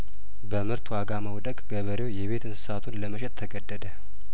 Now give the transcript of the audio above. በምርት ዋጋ መውደቅ ገበሬው የቤት እንስሳቱን ለመሸጥ ተገደደ